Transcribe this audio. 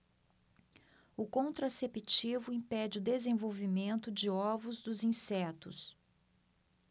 o contraceptivo impede o desenvolvimento de ovos dos insetos